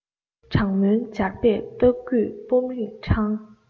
སྦྲང སྨྱོན སྦྱར བས རྟགས བསྐུས སྦོམ རིང མཁྲང